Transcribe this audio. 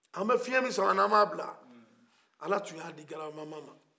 an bɛ fiɲɛ min sama n'an b'a bila ala tun y'a di garaba mama ma